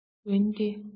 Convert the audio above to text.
འོན ཏེ